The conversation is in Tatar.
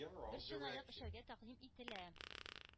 Бер чынаяк эчәргә тәкъдим ителә.